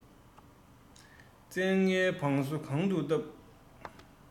བཙན ལྔའི བང སོ གང དུ བཏབ